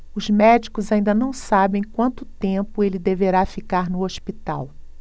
os médicos ainda não sabem quanto tempo ele deverá ficar no hospital